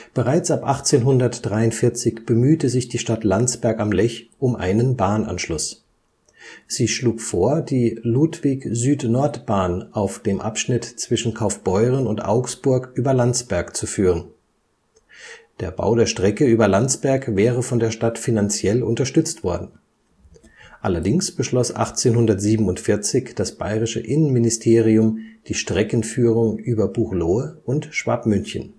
Bereits ab 1843 bemühte sich die Stadt Landsberg am Lech um einen Bahnanschluss. Sie schlug vor, die Ludwig-Süd-Nord-Bahn auf dem Abschnitt zwischen Kaufbeuren und Augsburg über Landsberg zu führen. Der Bau der Strecke über Landsberg wäre von der Stadt finanziell unterstützt worden. Allerdings beschloss 1847 das bayerische Innenministerium die Streckenführung über Buchloe und Schwabmünchen